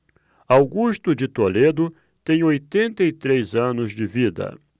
augusto de toledo tem oitenta e três anos de vida